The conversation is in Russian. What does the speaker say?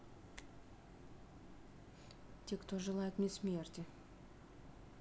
те кто желает мне смерти